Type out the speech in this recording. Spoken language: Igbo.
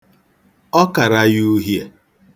Ọ kara ya uhie.